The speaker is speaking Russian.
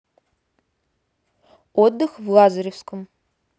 отдых в лазаревском